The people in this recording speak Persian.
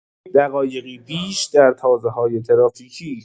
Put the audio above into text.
دقایقی پیش در تازه‌های ترافیکی!